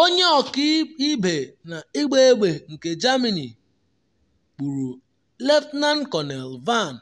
Onye ọkaibe n’ịgba egbe nke Germany gburu Lt Col Vann